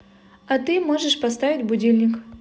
а ты можешь поставить будильник